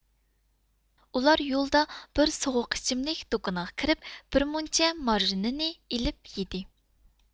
ئۇلار يولدا بىر سوغۇق ئىچىملىك دوكىنىغا كىرىپ بىرمۇنچە مارۇژنىنى ئېلىپ يىدى